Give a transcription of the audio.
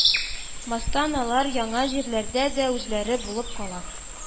Мастан алар яңа җирләрдә дә үзләре булып кала